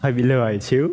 hơi bị lười xíu